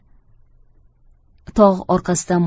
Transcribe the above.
tog' orqasidan